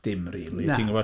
Dim rili... na. ...ti'n gwybod.